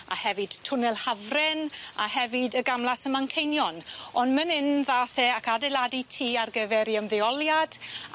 a hefyd Twnnel Hafren a hefyd y gamlas ym Manceinion on' myn' 'yn ddath e ac adeladu tŷ ar gyfer ei ymddeoliad